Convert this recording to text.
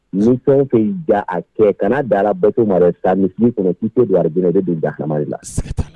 Nin fɛn ka ja a kɛ kana dara bato wɛrɛ ta misi fana' don adinaele de bɛ da kamalen la